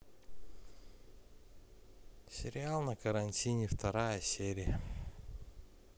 сериал на карантине вторая серия